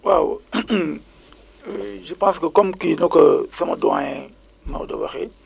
waaw je pense que comme kii na ka sama doyen Maodo waxee